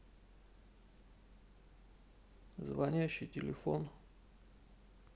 звонящий телефон